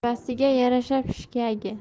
sabasiga yarasha pishgagi